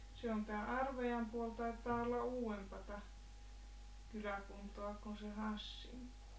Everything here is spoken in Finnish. se on tämä Arvajan puoli taitaa olla uudempaa kyläkuntaa kuin se Hassin puoli